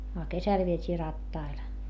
a kesällä vietiin rattailla